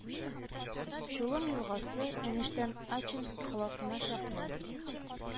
Чулым елгасы, инештән Ачинск каласына чаклы